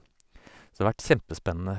Så det har vært kjempespennende.